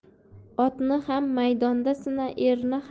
otni ham maydonda sina